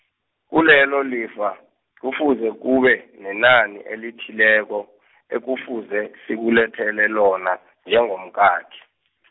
kilelo lifa, kufuze kube, nenani elithileko , ekufuze, sikulethele lona, njengomkakhe .